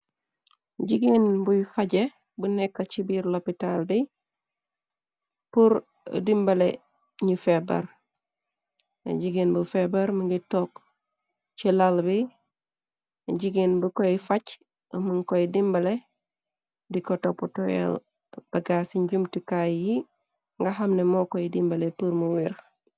Gigeen bui fajeh bu nekk chi biir loppitan bi pur dimbale nju feebar, jigeen bu febar mungi tokk chi làl bi, jigéen bu koy fajj eh mun koy dimbale di ko topoh toyal bagass ci njumtikaay yi, nga xamne moo koy dimbale pur mu wehrr.